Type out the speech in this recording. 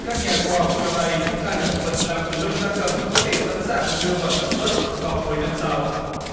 các nhà khoa học chưa hay thức ăn động vật làm từ lông gia cầm có thể sẵn sàng đưa vào sản xuất vào cuối năm sau